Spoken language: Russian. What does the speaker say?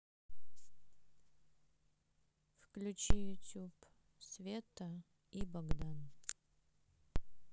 включи ютуб света и богдан